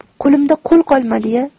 qo'limda qo'l qolmadi ya